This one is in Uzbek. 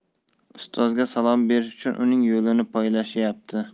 ustozga salom berish uchun uning yo'lini poylashyapti